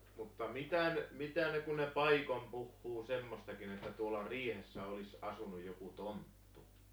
mutta mitä - mitä ne kun ne paikoin puhui semmoistakin että tuolla riihessä olisi asunut joku tonttu